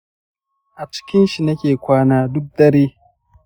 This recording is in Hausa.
a cikin shi nake kwana duk dare.